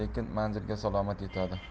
lekin manzilga salomat yetadi